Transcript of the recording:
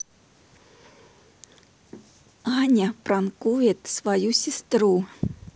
аня пранкует свою сестру